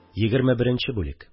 Егерме беренче бүлек